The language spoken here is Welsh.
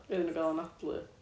iddyn nhw gael anadlu?